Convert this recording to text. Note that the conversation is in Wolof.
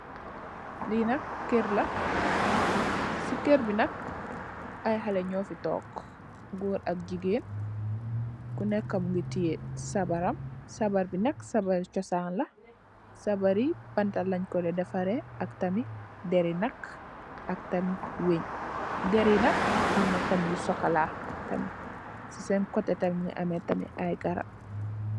Li nak kër la, ci kër bi nak ay nit nyo fi toog, gòor ak jigeen ku nekka mungi tè sabaram, sabar bi nak, sabar chosaan la, sabar yi banta leen ko dè defarè ak tamit dèrr nak ak tamit wënn. Dèrr nak am tamit lu sokola tamit. Ci senn kotè tamit mungi ameh tamit ay garab.